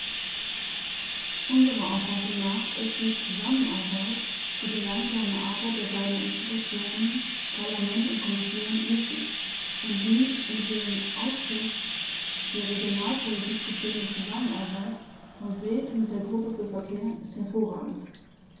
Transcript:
Unserer Auffassung nach ist die Zusammenarbeit, die gemeinsame Arbeit der beiden Institutionen - Parlament und Kommission - wichtig, und die mit dem Ausschuss für Regionalpolitik bestehende Zusammenarbeit, konkret mit der Gruppe für Verkehr, ist hervorragend.